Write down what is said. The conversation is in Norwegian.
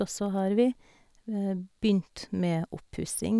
Og så har vi begynt med oppussing.